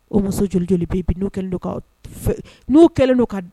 O muso bɛ' kɛlen don ka